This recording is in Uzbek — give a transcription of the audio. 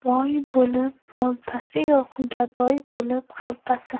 boy bo'lib boltasi yo'q gadoy bo'lib xaltasi